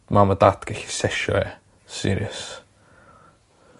mam a dat gellu sessio ie, serious.